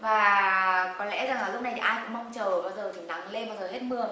và có lẽ rằng là này ai cũng mong chờ bao thì nắng lên bao giờ hết mưa